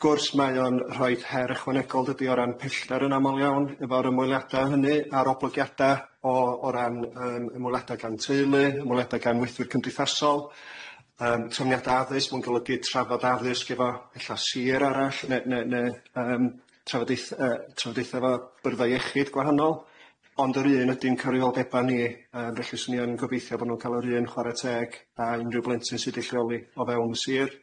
Wrth gwrs mae o'n rhoid her ychwanegol dydi o ran pellter yn amal iawn efo'r ymweliada hynny a'r oblygiada o o ran yym ymweliada gan teulu, ymweliada gan weithwyr cymdeithasol, yym trefniada addysg ma'n golygu trafod addysg efo ella sir arall ne ne ne yym trafodaeth- yy trafodaetha' efo byrddau iechyd gwahanol ond yr un ydi'n cyfrifoldeba ni yy felly 'swn i yn gobeithio bo' nhw'n ca'l yr un chware teg a unrhyw blentyn sy' 'di lleoli o fewn y sir.